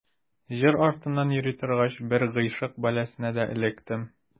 Җыр артыннан йөри торгач, бер гыйшык бәласенә дә эләктем.